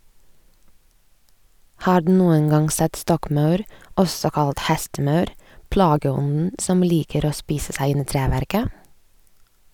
Har du noen gang sett stokkmaur, også kalt hestemaur, plageånden som liker å spise seg inn i treverket?